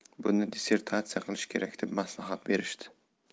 buni dissertatsiya qilish kerak deb maslahat berishdi